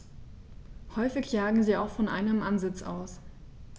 Häufig jagen sie auch von einem Ansitz aus.